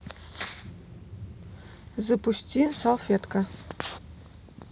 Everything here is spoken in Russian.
запусти салфетка